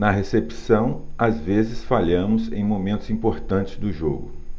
na recepção às vezes falhamos em momentos importantes do jogo